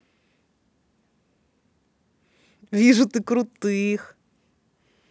вижу ты крутых